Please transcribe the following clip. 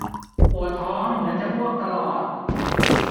ปวดท้องเหมือนจะอ้วกตลอด